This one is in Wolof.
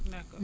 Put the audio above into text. d' accord